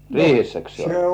riihessäkö se oli